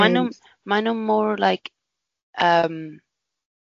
A maen nhw maen nhw mor like yym.